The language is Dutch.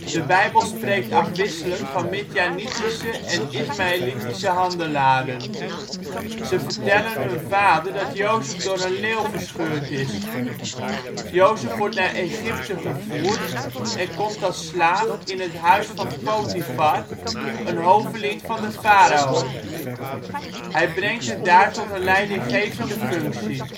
De Bijbel spreekt afwisselend van Midjanietische en Ismaelietische handelaren.) Ze vertellen hun vader dat Jozef door een leeuw verscheurd is. Jozef wordt naar Egypte gevoerd en komt als slaaf in het huis van Potifar, een hoveling van de farao. Hij brengt het daar tot een leidinggevende functie